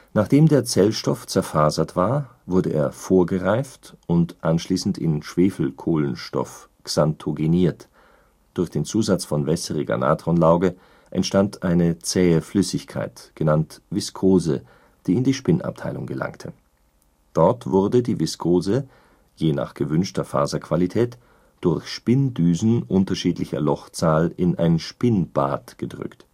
Nachdem der Zellstoff zerfasert war, wurde er vorgereift und anschließend in Schwefelkohlenstoff xanthogeniert. Durch den Zusatz von wässriger Natronlauge entstand eine zähe Flüssigkeit, genannt Viskose, die in die Spinnabteilung gelangte. Dort wurde die Viskose, je nach gewünschter Faserqualität, durch Spinndüsen unterschiedlicher Lochzahl in ein Spinnbad gedrückt